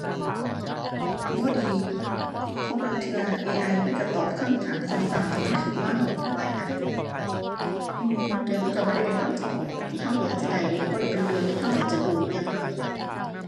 บ่ดี เพราะบางเทื่อ AI มันก็ตอบคำถามซ้ำซ้ำที่มันก็วางระบบไว้อะ อืม บางเทื่อมันก็บ่ได้เป็นคำตอบที่ก็อยากจะได้ หรือบ่ได้เป็นเรื่องที่ก็อยากจะรู้อิหยังเลย